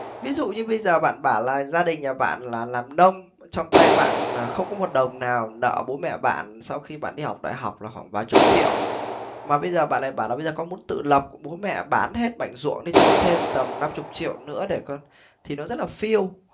ví dụ như bây giờ bạn bảo là gia đình nhà bạn là làm nông trong tay bạn là không có một đồng nào nợ bố mẹ bạn sau khi bạn đi học đại học là khoảng vài chục triệu mà bây giờ bạn lại bảo là bây giờ con muốn tự lập bố mẹ bán hết mảnh ruộng đi cho con thêm tầm năm chục triệu nữa để con thì nó rất là phiêu